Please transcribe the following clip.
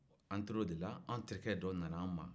an tor'o de la an terikɛ dɔ nana an ma